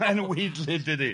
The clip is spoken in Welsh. Mae'n weidly dydi?